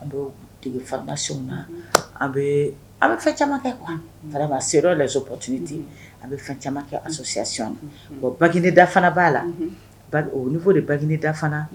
An bɛ dege faralasi na an a bɛ fɛn caman kɛ se yɔrɔ la pt tɛ a bɛ fɛn caman kɛ asɔyasi bagda fana b'a la fɔ de bada fana